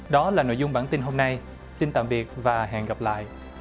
đó là nội dung bản tin hôm nay xin tạm biệt và hẹn gặp lại